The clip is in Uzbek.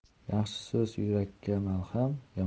yaxshi so'z yurakka malham